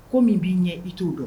Ko min b'i ɲɛ i t'o dɔn